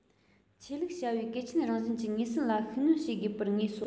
ཆོས ལུགས བྱ བའི གལ ཆེན རང བཞིན གྱི ངོས ཟིན ལ ཤུགས སྣོན བྱེད དགོས པར ངེས སོ